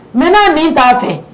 Nnaa min t'a fɛ